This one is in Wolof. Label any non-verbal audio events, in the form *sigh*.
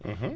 *hesitation* *hesitation*